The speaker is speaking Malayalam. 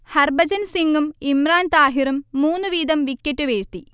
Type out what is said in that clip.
ഹർഭജൻ സിങ്ങും ഇമ്രാൻ താഹിറും മൂന്ന് വീതം വിക്കറ്റ് വീഴ്ത്തി